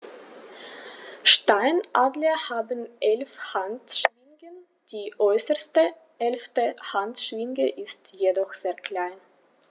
Steinadler haben 11 Handschwingen, die äußerste (11.) Handschwinge ist jedoch sehr klein.